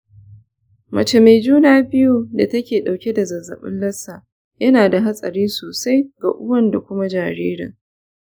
mace mai juna biyun da take dauke da zazzabin lassa yana da hatsari sosai ga uwan da kuma jaririn.